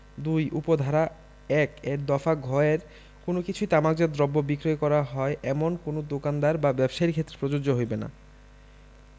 ২ উপ ধারা ১ এর দফা ঘ এর কোন কিছুই তামাকজাত দ্রব্য বিক্রয় করা হয় এমন কোন দোকানদার বা ব্যবসায়ীর ক্ষেত্রে প্রযোজ্য হইবে না